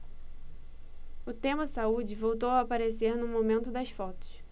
o tema saúde voltou a aparecer no momento das fotos